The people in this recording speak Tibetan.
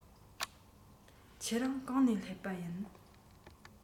ཁྱེད གང ནས སླེབས པ ཡིན